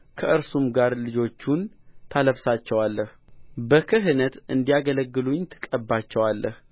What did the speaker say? ከእርሱም ጋር ልጆቹን ታለብሳቸዋለህ በክህነት እንዲያገለግሉኝ ትቀባቸዋለህ